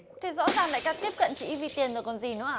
thế rõ ràng đại ca tiếp cận chị ấy vì tiền rồi còn gì nữa ạ